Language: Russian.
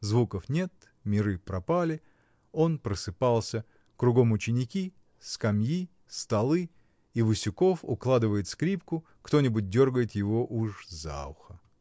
Звуков нет, миры пропали, он просыпался: кругом — ученики, скамьи, столы — и Васюков укладывает скрипку, кто-нибудь дергает его уж за ухо.